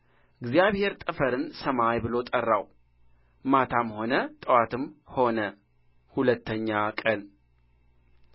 እግዚአብሔር ጠፈርን ሰማይ ብሎ ጠራው ማታም ሆነ ጥዋትም ሆነ ሁለተኛ ቀን